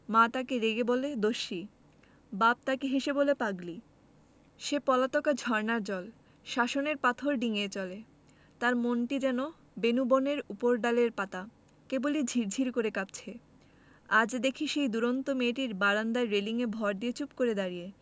মা তাকে রেগে বলে দস্যি বাপ তাকে হেসে বলে পাগলি সে পলাতকা ঝরনার জল শাসনের পাথর ডিঙ্গিয়ে চলে তার মনটি যেন বেনূবনের উপরডালের পাতা কেবলি ঝির ঝির করে কাঁপছে আজ দেখি সেই দূরন্ত মেয়েটি বারান্দায় রেলিঙে ভর দিয়ে চুপ করে দাঁড়িয়ে